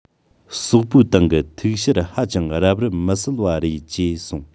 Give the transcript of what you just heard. སོག པའི སྟེང གི ཐིག ཤར ཧ ཅང རབ རིབ མི གསལ བ རེད ཅེས གསུངས